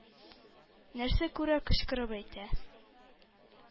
Нәрсә күрә, кычкырып әйтә,